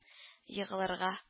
– егылырга